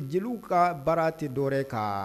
Jeliw ka baara tɛ dɔwɛrɛ kan